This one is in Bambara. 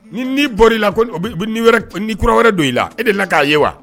Ni ni bɔra i la ko ni kura wɛrɛ don i la e de la k'a ye wa